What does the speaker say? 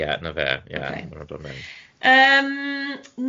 Ie, na fe, ie ocê. Yym.